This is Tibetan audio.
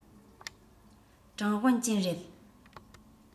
ཀྲང ཝུན ཅུན རེད